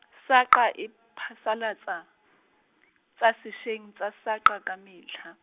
SAQA e phasalatsa , tsa sešeng tsa SAQA ka metlha.